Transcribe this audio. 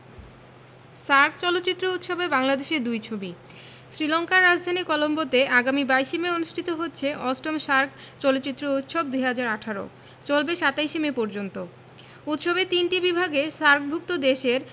SAARC চলচ্চিত্র উৎসবে বাংলাদেশের দুই ছবি শ্রীলংকার রাজধানী কলম্বোতে আগামী ২২ মে অনুষ্ঠিত হচ্ছে ৮ম সার্ক চলচ্চিত্র উৎসব ২০১৮ চলবে ২৭ মে পর্যন্ত উৎসবের তিনটি বিভাগে সার্কভুক্ত দেশের